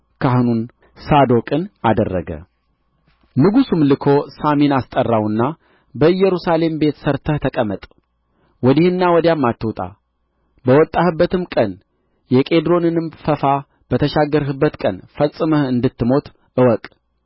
ካህኑን ሳዶቅን አደረገ ንጉሡም ልኮ ሳሚን አስጠራውና በኢየሩሳሌም ቤት ሠርተህ ተቀመጥ ወዲህና ወዲያም አትውጣ በወጣህበትም ቀን የቄድሮንንም ፈፋ በተሻገርህበት ቀን ፈጽመህ እንድትሞት እወቅ